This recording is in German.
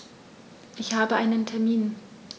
Ich habe einen Termin.